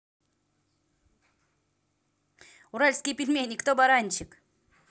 уральские пельмени кто баранчик